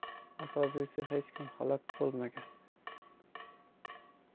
asosiysi hech kim halok bo'lmagan